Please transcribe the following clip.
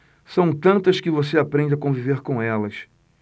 são tantas que você aprende a conviver com elas